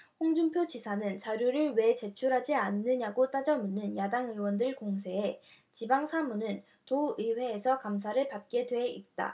홍준표 지사는 자료를 왜 제출하지 않느냐고 따져 묻는 야당 의원들 공세에 지방 사무는 도의회에서 감사를 받게 돼 있다